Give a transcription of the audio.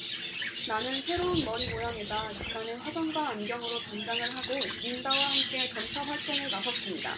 나는 새로운 머리 모양에다 약간의 화장과 안경으로 변장을 하고 린다와 함께 전파 활동에 나섰습니다